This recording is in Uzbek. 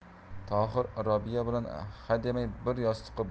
tohir robiya bilan hademay bir yostiqqa